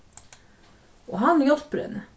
og hann hjálpir henni